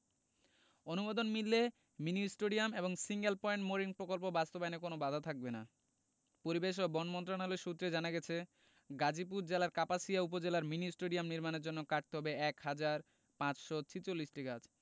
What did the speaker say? অনুমোদন মিললে mini stadium এবং সিঙ্গেল পয়েন্ট মোরিং প্রকল্প বাস্তবায়নে কোনো বাধা থাকবে না পরিবেশ ও বন মন্ত্রণালয় সূত্রে জানা গেছে গাজীপুর জেলার কাপাসিয়া উপজেলার মিনি স্টেডিয়াম নির্মাণের জন্য কাটতে হবে এক হাজার ৫৪৬টি গাছ